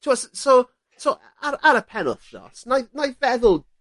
t'wo' so so, ar ar y penwthnos 'nai 'nai feddwl